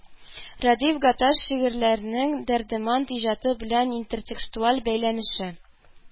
РӘДИФ ГАТАШ ШИГЫРЬЛӘРЕНЕҢ ДӘРДЕМӘНД ИҖАТЫ БЕЛӘН ИНТЕРТЕКСТУАЛЬ БӘЙЛӘНЕШЕ